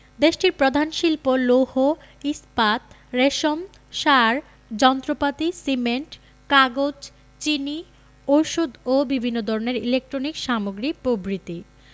দেশটির প্রধান শিল্প লৌহ ইস্পাত রেশম সার যন্ত্রপাতি সিমেন্ট কাগজ চিনি ঔষধ ও বিভিন্ন ধরনের ইলেকট্রনিক্স সামগ্রী প্রভ্রিতি